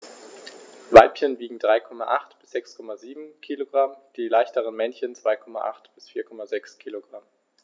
Weibchen wiegen 3,8 bis 6,7 kg, die leichteren Männchen 2,8 bis 4,6 kg.